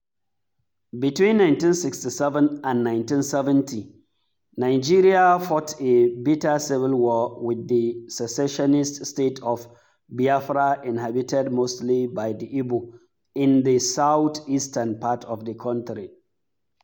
Between 1967 and 1970, Nigeria fought a bitter civil war with the secessionist state of Biafra inhabited mostly by the Igbo in the southeastern part of the country.